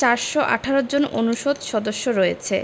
৪১৮ জন অনুষদ সদস্য রয়েছে